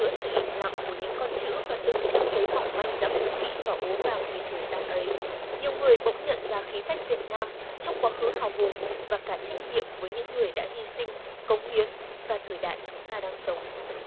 giữa sự im lặng của những con chữ và từng trang giấy mỏng manh đã cũ kỹ và ố vàng vì thời gian ấy nhiều người bỗng nhận ra khí phách việt nam trong quá khứ hào hùng và cả trách nhiệm với những người đã hy sinh cống hiến và thời đại chúng ta đang sống